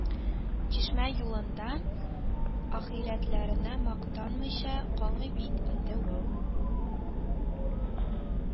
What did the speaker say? Чишмә юлында ахирәтләренә мактанмыйча калмый бит инде ул